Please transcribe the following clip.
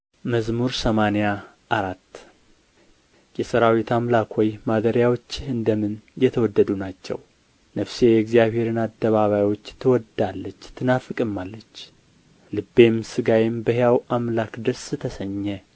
መዝሙር ሰማንያ አራት የሠራዊት አምላክ ሆይ ማደሪያዎችህ እንደምን የተወደዱ ናቸው ነፍሴ የእግዚአብሔርን አደባባዮች ትወድዳለች ትናፍቅማለች ልቤም ሥጋዬም በሕያው አምላክ ደስ ተሰኘ